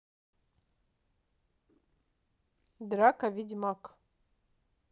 драка ведьмак